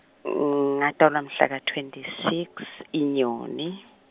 ngatalwa mhla ka, twenty six iNyoni.